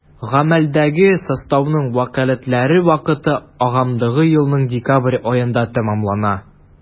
Гамәлдәге составның вәкаләтләре вакыты агымдагы елның декабрь аенда тәмамлана.